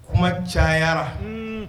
Kuma cayara